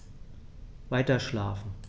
Weiterschlafen.